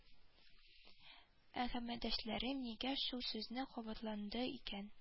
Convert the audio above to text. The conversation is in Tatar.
Әңгәмәдәшләрем нигә шул сүзне кабатлады икән